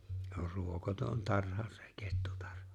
se on ruokoton tarha se kettutarha